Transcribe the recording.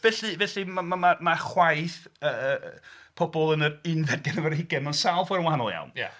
Felly... felly ma- ma- mae chwaeth yy pobl yn yr unfed ganrif ar hugain mewn sawl ffordd wahanol iawn... Ia.